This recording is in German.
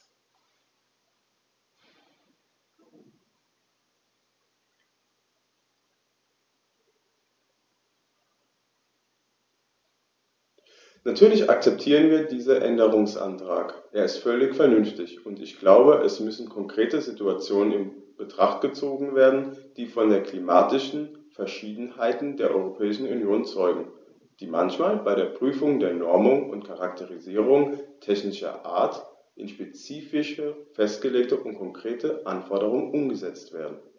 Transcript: Natürlich akzeptieren wir diesen Änderungsantrag, er ist völlig vernünftig, und ich glaube, es müssen konkrete Situationen in Betracht gezogen werden, die von der klimatischen Verschiedenartigkeit der Europäischen Union zeugen, die manchmal bei der Prüfung der Normungen und Charakterisierungen technischer Art in spezifische Festlegungen und konkrete Anforderungen umgesetzt werden.